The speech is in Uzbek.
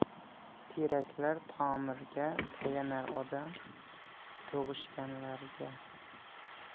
terak tomiriga tayanar odam tug'ishganlariga